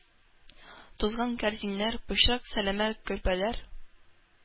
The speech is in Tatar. Тузган кәрзиннәр, пычрак сәләмә көрпәләр,